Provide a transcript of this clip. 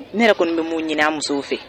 Ne kɔni bɛ mun ɲ musow fɛ